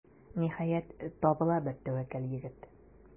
Ниһаять, табыла бер тәвәккәл егет.